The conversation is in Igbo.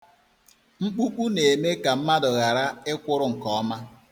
Mkpukpu na-eme ka mmadụ ghara ịkwụrụ nke ọma.